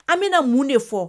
An bɛna na mun de fɔ